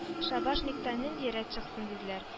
“шабашниктан нинди рәт чыксын, — диделәр